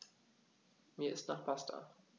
Mir ist nach Pasta.